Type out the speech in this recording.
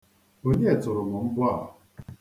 Onye tụrụ m mbọ a?